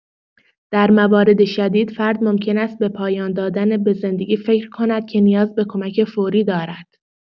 در موارد شدید، فرد ممکن است به پایان دادن به زندگی فکر کند که نیاز به کمک فوری دارد.